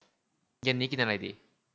เย็นนี้กินอะไรดี